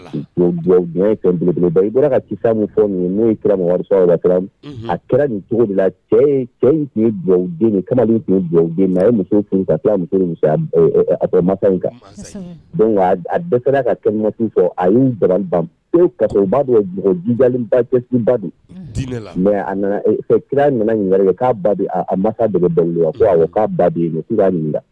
I bɔra ka min fɔ n'o kira warisa a kɛra nin cogo cɛ in tun jɔ kana tun jɔ a ye muso muso a masa in kan dɔn a dɛsɛ fana ka kɛmatu fɔ a y' ka o b'aba kira nana nin wɛrɛ ye k'a ba mansa de la ko'a ba min la